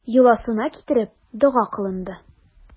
Йоласына китереп, дога кылынды.